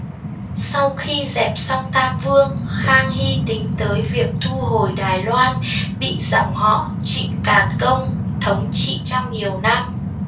sau khi dẹp xong tam vương khang hi tính tới việc thu hồi đài loan bị dòng họ trịnh thành công thống trị trong nhiều năm